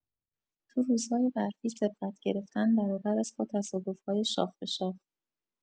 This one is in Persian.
تو روزهای برفی سبقت گرفتن برابر است با تصادف‌های شاخ به شاخ!